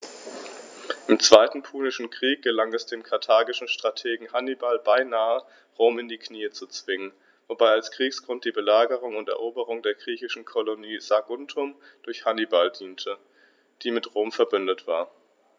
Im Zweiten Punischen Krieg gelang es dem karthagischen Strategen Hannibal beinahe, Rom in die Knie zu zwingen, wobei als Kriegsgrund die Belagerung und Eroberung der griechischen Kolonie Saguntum durch Hannibal diente, die mit Rom „verbündet“ war.